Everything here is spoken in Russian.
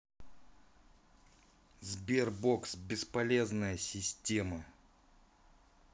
sberbox бесполезная система